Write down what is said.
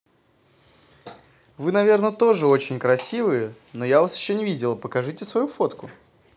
вы наверное тоже очень красивые но я вас еще не видела покажите свою фотку